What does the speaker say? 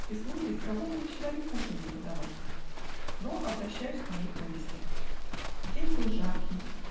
и слуги с кого бы начинали кушанье подавать? Но обращаюсь к моей повести. День был жаркий.